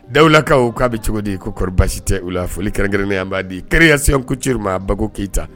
Da lakaw k'a bɛ cogo di ko basi tɛ u la foli kɛrɛnnen an b'a di kɛseku ci ma mago k keyita